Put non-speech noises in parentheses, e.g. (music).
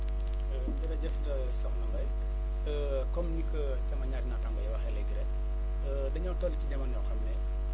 (hesitation) jërëjëf (hesitation) Soxna Mbaye (hesitation) comme ni ko sama ñaari naataangoo yi waxee léegi rek (hesitation) dañoo toll ci jamono yoo xam ne